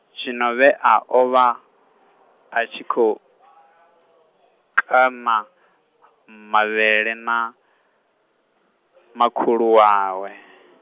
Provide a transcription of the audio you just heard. Tshinovhea o vha, a tshi khou, kana, mavhele na, makhulu wawe.